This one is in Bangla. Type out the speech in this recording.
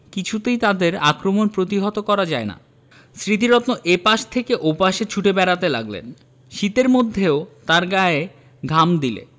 কিছুতেই তাদের আক্রমণ প্রতিহত করা যায় না স্মৃতিরত্ন এ পাশ থেকে ও পাশে ছুটে বেড়াতে লাগলেন শীতের মধ্যেও তাঁর গায়ে ঘাম দিলে